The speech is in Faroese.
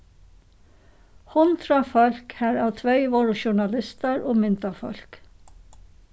hundrað fólk harav tvey vóru journalistar og myndafólk